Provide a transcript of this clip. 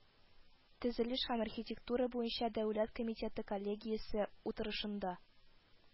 Тезелеш һәм архитектура буенча дәүләт комитеты коллегиясе утырышында